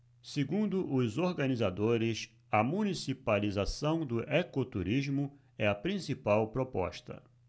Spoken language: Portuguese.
segundo os organizadores a municipalização do ecoturismo é a principal proposta